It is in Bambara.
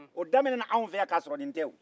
o daminɛna an fɛ yan kasɔrɔ nin tɛ